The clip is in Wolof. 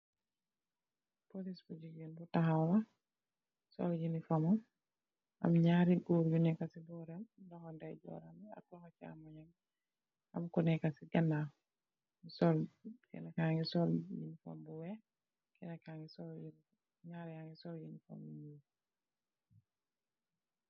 Police bu gigeen bu takhaw munge sul uniform am nyarri goor nyu neka si borom am ku nekah si ganaw kena ki munge mbubo bu wekh .